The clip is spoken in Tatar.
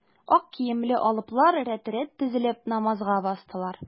Ак киемле алыплар рәт-рәт тезелеп, намазга бастылар.